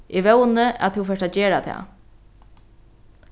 eg vóni at tú fert at gera tað